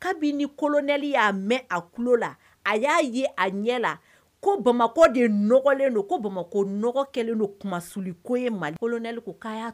A'a a ko bamakɔ delen don ko bamakɔ kɛlen don ko